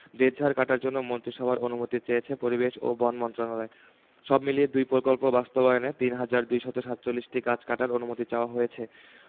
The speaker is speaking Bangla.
বেতঝাড় কাটার জন্য মন্ত্রিসভার অনুমতি চেয়েছে পরিবেশ ও বন মন্ত্রণালয় সব মিলিয়ে দুই প্রকল্প বাস্তবায়নে ৩হাজার ২৪৭টি গাছ কাটার অনুমতি চাওয়া হয়েছে